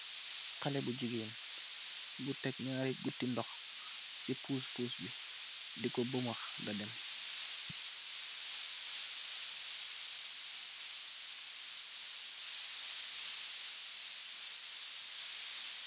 Haleh bu jigeen bu tek naari gotu ndox si puspus bi di ko bamah da dem.